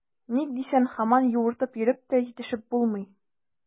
Ник дисәң, һаман юыртып йөреп тә җитешеп булмый.